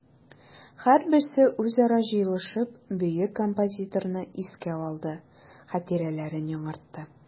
Һәрберсе үзара җыелышып бөек композиторны искә алды, хатирәләрен яңартты.